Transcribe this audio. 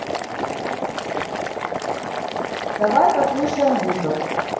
давай послушаем битлс